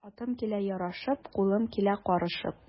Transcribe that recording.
Атым килә ярашып, кулым килә карышып.